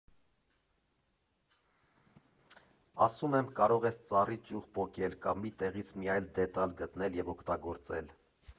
Ասում եմ ՝ կարող ես ծառի ճյուղ պոկել, կամ մի տեղից մի այլ դետալ գտնել և օգտագործել։